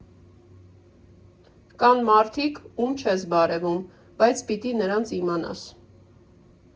Կան մարդիկ, ում չես բարևում, բայց պիտի նրանց իմանաս։